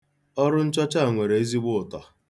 Ọrụ nchọcha a nwere ezigbo ụtọ.